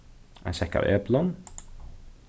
ein sekk av eplum